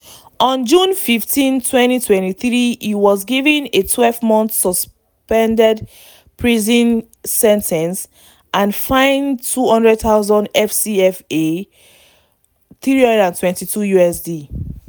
On June 15, 2023, he was given a 12-month suspended prison sentence and fined FCFA 200,000 (USD 322).